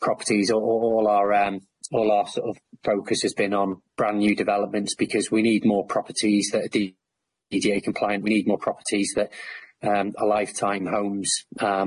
properties o- o- all our erm- all our sort of focus has been on brand new developments because we need more properties that are Dee Dee Ay compliant, we need more properties that erm are life time homes erm,